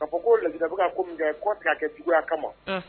Ka fɔ koo La Guinée be ka ko min kɛ ko a te k'a kɛ juguya kama unh